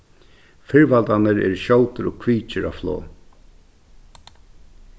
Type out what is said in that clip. firvaldarnir eru skjótir og kvikir á flog